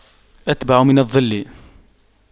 أتبع من الظل